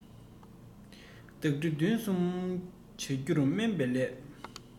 མདའ གྲི མདུང གསུམ འཕྱར རྒྱུ སྨྱོན པའི ལས